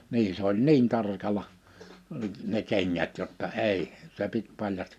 niin se oli niin tarkalla ne kengät jotta ei se piti paljasti